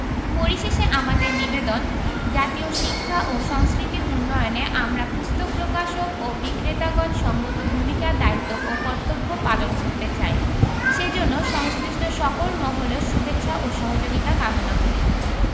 পরিশেষে আমাদের নিবেদন জাতীয় শিক্ষা ও সংস্কৃতি উন্নয়নে আমরা পুস্তক প্রকাশক ও বিক্রেতাগণ সঙ্গত ভূমিকা দায়িত্ব ও কর্তব্য পালন করতে চাই সেজন্য সংশ্লিষ্ট সকল মহলের শুভেচ্ছা ও সহযোগিতা কামনা করি